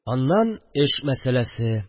Аннан – эш мәсәләсе